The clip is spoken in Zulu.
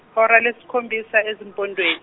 -hora lesikhombisa ezimpondweni.